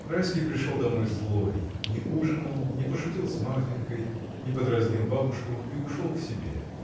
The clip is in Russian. Райский пришел домой злой, не ужинал, не пошутил с Марфинькой, не подразнил бабушку и ушел к себе.